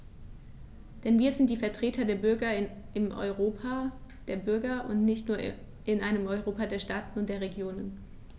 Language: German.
Denn wir sind die Vertreter der Bürger im Europa der Bürger und nicht nur in einem Europa der Staaten und der Regionen.